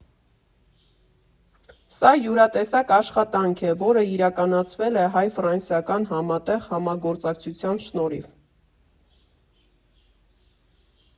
Սա յուրատեսակ աշխատանք է, որը իրականացվել է հայ֊ֆրանսիական համատեղ համագործակցության շնորհիվ։